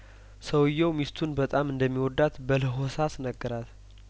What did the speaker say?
ሰውዬው ሚስቱን በጣም እንደሚወዳት በለሆሳ ስነገራት